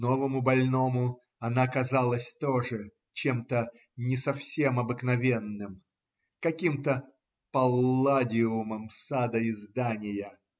Новому больному она казалась тоже чем-то не совсем обыкновенным, каким-то палладиумом сада и здания.